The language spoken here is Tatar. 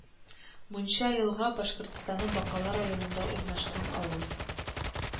Мунчаелга Башкортстанның Бакалы районында урнашкан авыл